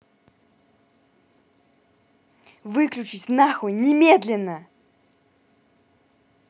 выключись нахуй немедленно